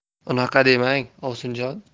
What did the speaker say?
unaqa demang ovsinjon